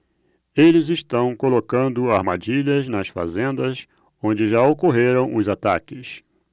eles estão colocando armadilhas nas fazendas onde já ocorreram os ataques